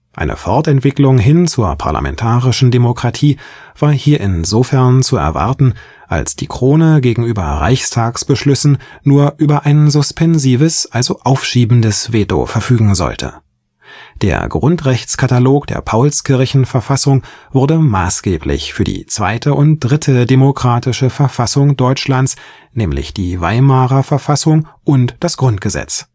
Eine Fortentwicklung hin zur parlamentarischen Demokratie war hier insofern zu erwarten, als die Krone gegenüber Reichstagsbeschlüssen nur über ein suspensives (aufschiebendes) Veto verfügen sollte. Der Grundrechtskatalog der Paulskirchenverfassung wurde maßgeblich für die zweite und dritte demokratische Verfassung Deutschlands, nämlich die Weimarer Verfassung und das Grundgesetz